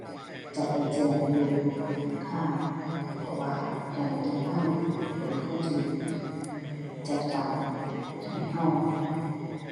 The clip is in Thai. จะไปแจ้งอยู่ธนาคารเพราะว่าให้ธนาคารเป็นคนที่จัดการให้เรา